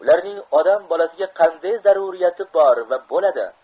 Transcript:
ularning odam bolasiga qanday zamriyati bor va bo'ladi